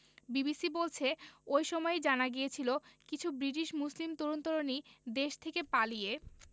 BBC বলছে ওই সময়ই জানা গিয়েছিল কিছু ব্রিটিশ মুসলিম তরুণ তরুণী দেশ থেকে পালিয়ে